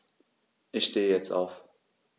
Ich stehe jetzt auf.